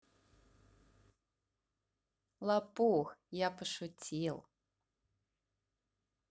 лопух я пошутил